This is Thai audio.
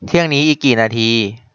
เที่ยงนี้อีกกี่นาที